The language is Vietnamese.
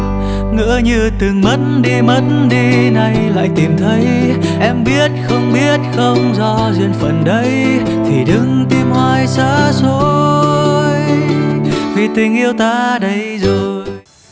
ngỡ như từng mất đi mất đi nay lại tìm thấy em biết không biết không do duyên phận đấy thì đừng tìm hoài xa xôi vì tình yêu ta đây rồi